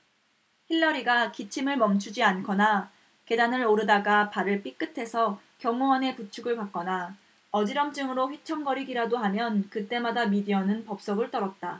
힐러리가 기침을 멈추지 않거나 계단을 오르다가 발을 삐끗해서 경호원의 부축을 받거나 어지럼증으로 휘청거리기라도 하면 그 때마다 미디어는 법석을 떨었다